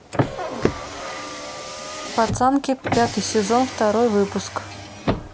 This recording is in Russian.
пацанки пятый сезон второй выпуск